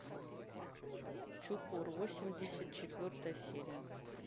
чукор восемьдесят четвертая серия